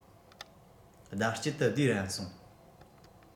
ཟླ དཀྱིལ དུ བསྡུས རན སོང